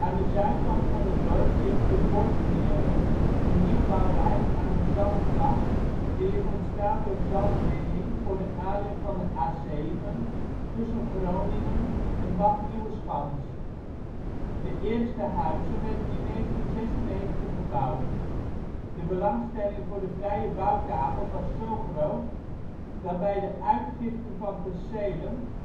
de zuidkant van het dorp ligt de Borgmeren, een nieuwbouwwijk aan een zandplas die is ontstaan door zandwinning voor de aanleg van de A7 tussen Groningen - Bad Nieuweschans. De eerste huizen werden in 1996 gebouwd. De belangstelling voor de vrije bouwkavels was zo groot dat bij de uitgifte van percelen